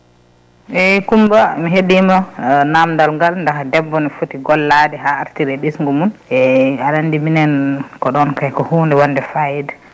eyyi Coumba Ba mi heeɗima namdal ngal dakh debbo ne foti gollade ha artira e ɓesgu mum eyyi aɗa andi minen koɗon kayi ko hunde wadde fayida